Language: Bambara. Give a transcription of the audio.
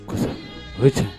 Kosɔn o bɛ ca